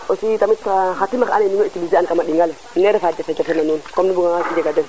aussi tamit xa tima xea ando naye nuun wey utiliser an kama ɗinga le refa jafe jafe na nuun